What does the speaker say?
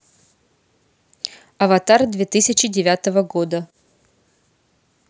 аватар две тысячи девятого года